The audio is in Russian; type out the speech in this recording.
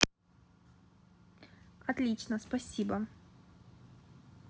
отлично спасибо